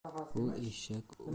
bu eshak o'sha